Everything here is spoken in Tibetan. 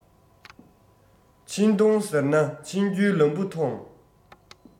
ཕྱིན གཏོང ཟེར ན ཕྱིན རྒྱུའི ལམ བུ ཐོང